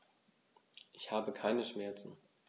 Ich habe keine Schmerzen.